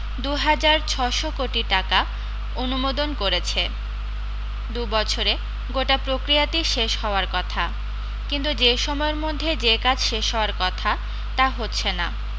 দু হাজার ছশো কোটি টাকা টাকা অনুমোদন করেছে দু বছরে গোটা প্রক্রিয়াটি শেষ হওয়ার কথা কিন্তু যে সময়ের মধ্যে যে কাজ শেষ হওয়ার কথা তা হচ্ছে না